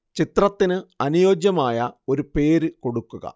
ചിത്രത്തിനു അനുയോജ്യമായ ഒരു പേരു കൊടുക്കുക